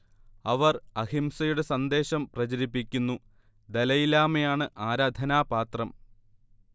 അവർ അഹിംസയുടെ സന്ദേശം പ്രചരിപ്പിക്കുന്നു ദലൈലാമയാണ് ആരാധനാപാത്രം